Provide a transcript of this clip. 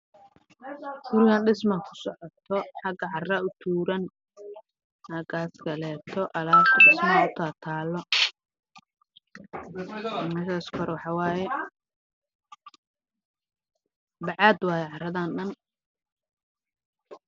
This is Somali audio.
Waa meel banaan oo cid waxaa yaalo makiinad